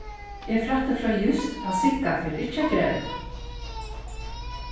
eg frætti frá júst at sigga fer ikki at gera tað